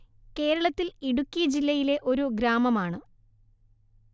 കേരളത്തിൽ ഇടുക്കി ജില്ലയിലെ ഒരു ഗ്രാമമാണ്